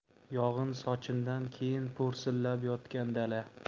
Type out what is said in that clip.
yog'in sochindan keyin po'rsillab yotgan dala